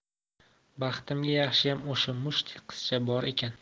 baxtimga yaxshiyam o'sha mushtdek qizcha bor ekan